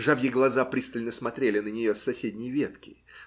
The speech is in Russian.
Жабьи глаза пристально смотрели на нее с соседней ветки.